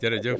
jërëjëf